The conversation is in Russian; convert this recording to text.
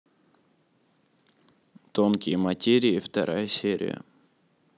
тонкие материи вторая серия